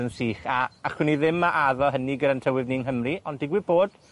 yn sych, a allwn ni ddim a addo hynny gyda'n tywydd ni yng Nghymru. Ond digwydd bod,